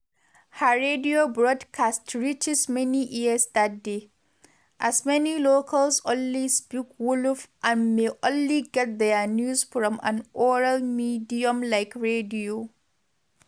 Her radio broadcast reaches many ears that day, as many locals only speak Wolof and may only get their news from an oral medium like radio.